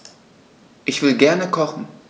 Ich will gerne kochen.